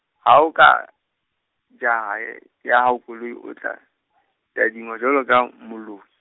hao ka, jaha he- ya hao koloi, o tla , tadingwa jwalo ka moloi.